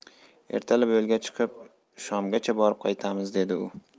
ertalab yo'lga chiqib shomgacha borib qaytamiz dedi u